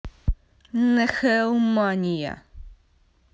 нхл мания